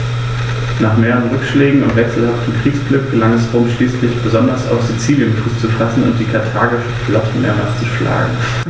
Nach mehreren Rückschlägen und wechselhaftem Kriegsglück gelang es Rom schließlich, besonders auf Sizilien Fuß zu fassen und die karthagische Flotte mehrmals zu schlagen.